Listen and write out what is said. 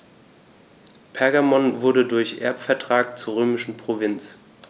Pergamon wurde durch Erbvertrag zur römischen Provinz.